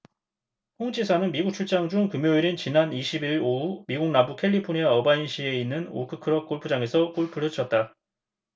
홍 지사는 미국 출장 중 금요일인 지난 이십 일 오후 미국 남부 캘리포니아 어바인시에 있는 오크 크릭 골프장에서 골프를 쳤다